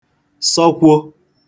sọkwo